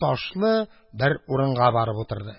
Ташлы бер урынга барып утырды.